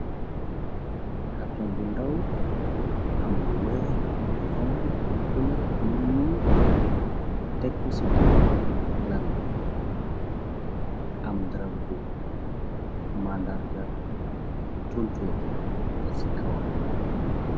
Karton bu ndaw, am lu weeh, lu honku lu bulo lu ñuul tekku ci kaw lal bi. AM darab bu mandarga tontorr ci kawam.